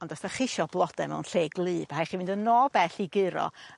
ond os 'dach chi isio blode mewn lle gwlyb ma' rhai' chi fynd yn o bell i guro